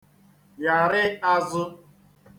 yàri āzụ̄